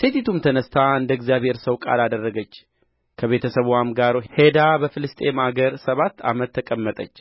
ሴቲቱም ተነሥታ እንደ እግዚአብሔር ሰው ቃል አደረገች ከቤተ ሰብዋም ጋር ሄዳ በፍልስጥኤም አገር ሰባት ዓመት ተቀመጠች